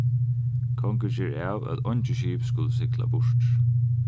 kongur ger av at eingi skip skulu sigla burtur